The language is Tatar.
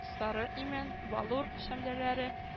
Сары имән, бәллур шәмдәлләре